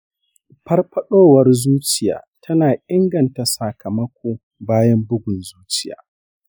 farfadowar zuciya tana inganta sakamako bayan bugun zuciya.